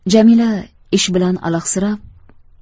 jamila ish bilan alahsirab